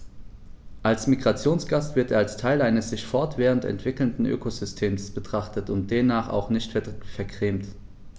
Als Migrationsgast wird er als Teil eines sich fortwährend entwickelnden Ökosystems betrachtet und demnach auch nicht vergrämt.